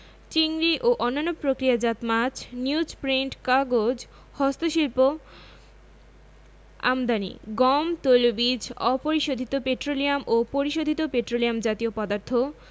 চিংড়ি ও অন্যান্য প্রক্রিয়াজাত মাছ নিউজপ্রিন্ট কাগজ হস্তশিল্প আমদানিঃ গম তৈলবীজ অপরিশোধিত পেট্রোলিয়াম ও পরিশোধিত পেট্রোলিয়াম জাতীয় পদার্থ